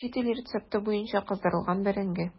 Чит ил рецепты буенча кыздырылган бәрәңге.